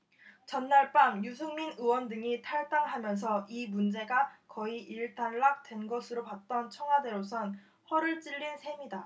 전날 밤 유승민 의원 등이 탈당하면서 이 문제가 거의 일단락된 것으로 봤던 청와대로선 허를 찔린 셈이다